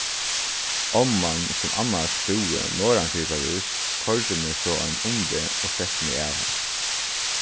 omman sum annars búði norðan fyri parís koyrdi meg so ein umveg og setti meg av har